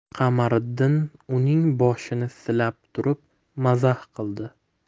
qamariddin uning boshini silab turib mazax qildi